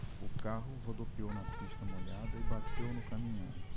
o carro rodopiou na pista molhada e bateu no caminhão